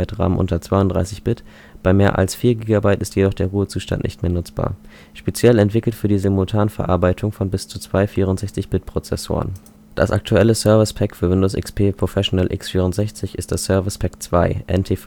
RAM unter 32-Bit); bei mehr als 4GB ist jedoch der Ruhezustand nicht mehr nutzbar. speziell entwickelt für die Simultanverarbeitung von bis zu zwei 64-Bit-Prozessoren Das aktuelle Service Pack für Windows XP Professional x64 ist das Service Pack 2 (NT